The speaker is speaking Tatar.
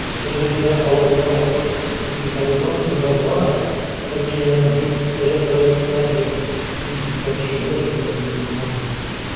"без инде алабуга махсус икътисади зонасында гына да төркиянең 4 эре проектына ия", - дип искә төшерде рөстәм миңнеханов.